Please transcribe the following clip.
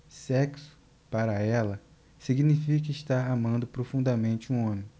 sexo para ela significa estar amando profundamente um homem